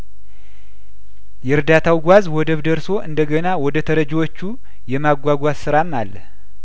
የእርዳታው ጓዝ ወደብ ደርሶ እንደገና ወደ ተረጂዎቹ የማጓጓዝ ስራም አለ